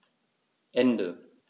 Ende.